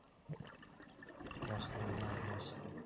ласковый май лес